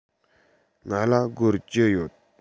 ང ལ སྒོར བཅུ ཡོད